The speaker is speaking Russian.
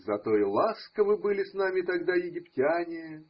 Зато и ласковы были с нами тогда египтяне.